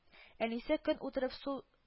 Әнисе, көн утырып су